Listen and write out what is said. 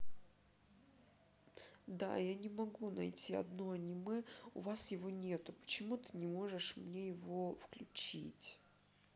да я не могу найти одно аниме у вас его нету почему ты не можешь мне его включить